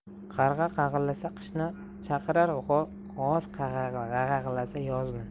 qarg'a qag'illasa qishni chaqirar g'oz g'ag'alasa yozni